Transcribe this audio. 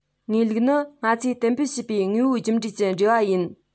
ངེས ལུགས ནི ང ཚོས གཏན འཁེལ བྱས པའི དངོས པོའི རྒྱུ འབྲས ཀྱི འབྲེལ བ ཡིན